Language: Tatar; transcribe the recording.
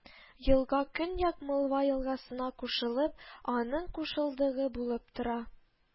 Елга Көньяк Мылва елгасына кушылып, аның кушылдыгы булып тора